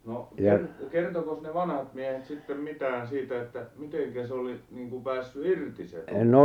no - kertoikos ne vanhat miehet sitten mitään siitä että miten se oli niin kuin päässyt irti se tuli